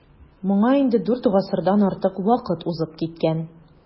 Моңа инде дүрт гасырдан артык вакыт узып киткән.